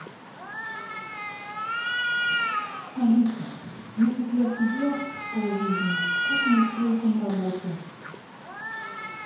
алиса если б я сидел в полжизни как мне устроиться на работу